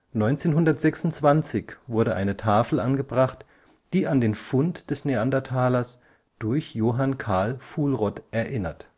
1926 wurde eine Tafel angebracht, die an den Fund des Neandertalers durch Johann Carl Fuhlrott erinnert